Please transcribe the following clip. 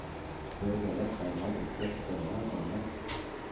Бергәләп тармар итеп, соңыннан аның